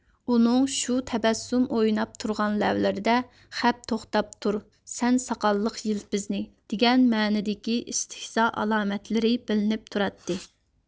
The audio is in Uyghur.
ئۇنىڭ شۇ تەبەسسۇم ئويناپ تۇرغان لەۋلىرىدە خەپ توختاپ تۇر سەن ساقاللىق يىلپىزنى دېگەن مەنىدىكى ئىستىھزا ئالامەتلىرى بىلىنىپ تۇراتتى